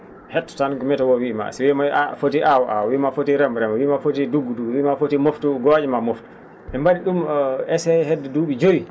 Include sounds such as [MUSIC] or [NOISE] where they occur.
hetto tan ko météo wiima si wiima a fotii aaw aaw wiima fotii rem rem wiima fotii duggu duggu wiima a fotii moftu goo?a ma moftu ?e mba?i ?um [HESITATION] essayé hedde duu?i joyi